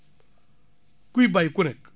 kuy bay ku ne